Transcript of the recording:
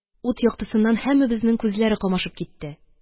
Ут яктысыннан һәммәбезнең күзләре камашып китте.